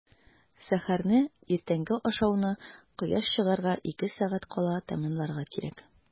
Сәхәрне – иртәнге ашауны кояш чыгарга ике сәгать кала тәмамларга кирәк.